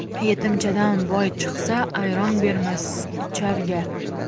yetimchadan boy chiqsa ayron bermas icharga